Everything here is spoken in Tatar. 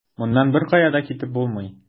Моннан беркая да китеп булмый.